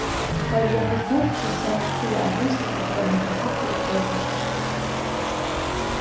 heili hálvfems prosent siga at rúsdrekkakoyring kann als ikki góðtakast